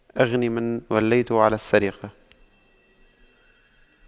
أغن من وليته عن السرقة